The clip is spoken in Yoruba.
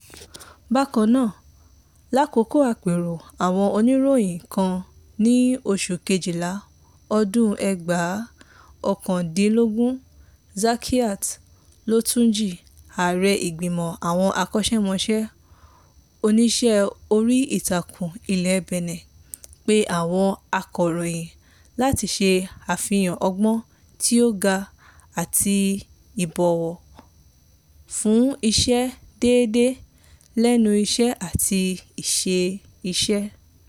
Bákan náà, lákòókò àpérò àwọn oníròyìn kan ní oṣù Kejìlá ọdún 2019, Zakiath Latondji, Ààrẹ ìgbìmọ̀ àwọn akọ́ṣẹ́mọṣẹ́ oníṣẹ́ orí ìtàkùn ilẹ̀ Benin, pe àwọn akọ̀ròyìn láti ṣe àfihàn ọgbọ́n tí ó ga àti ìbọwọ́ fún ìṣe déédé lẹ́nu iṣẹ́ àti ìṣe iṣẹ́.